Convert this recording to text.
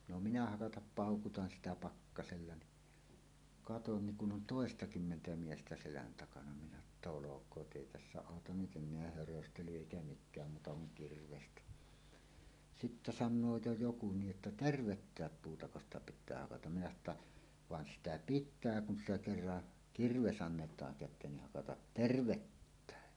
no minä hakata paukutan sitä pakkasella niin katson niin kun on toistakymmentä miestä selän takana minä että olkoot ei tässä auta nyt enää höröstely eikä mikään muuta kuin kirvestä sitten sanoo jo joku niin että tervettä puutako sitä pitää hakata minä sanoin että vaan sitä pitää kun sitä kerran kirves annetaan käteen niin hakata tervettäkin